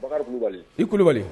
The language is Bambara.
Bakari kulubali i kulubali